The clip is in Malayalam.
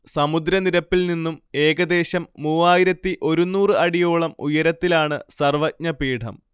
സമുദ്രനിരപ്പിൽ നിന്നും ഏകദേശം മൂവായിരത്തിഒരുന്നൂറ് അടിയോളം ഉയരത്തിലാണ് സർവ്വജ്ഞപീഠം